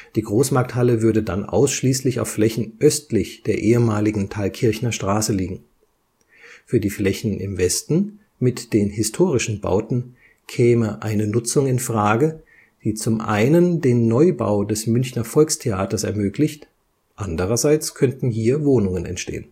Die Großmarkthalle würde dann ausschließlich auf Flächen östlich der ehemaligen Thalkirchner Straße liegen. Für die Flächen im Westen, mit den historischen Bauten, käme eine Nutzung in Frage, die zum einen den Neubau des Münchner Volkstheaters ermöglicht, andererseits könnten hier Wohnungen entstehen